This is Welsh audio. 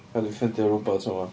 Gad fi ffeindio'r robot yn fa'ma.